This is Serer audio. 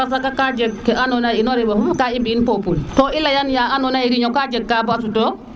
parce que ka jeg ka andona ye in luulul nga i mbi in peuple to leya no yo ya andona ye réunion ka jeg ka ba sutoox